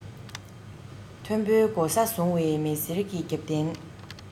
མཐོན པོའི གོ ས བཟུང བའི མི སེར གྱི རྒྱབ རྟེན